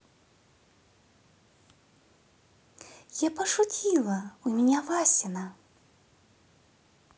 я пошутила у меня васина